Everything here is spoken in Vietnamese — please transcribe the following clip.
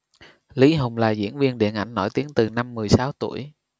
lý hùng là diễn viên điện ảnh nổi tiếng từ năm mười sáu tuổi